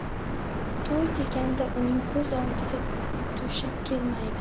to'y deganda uning ko'z oldiga to'shak kelmaydi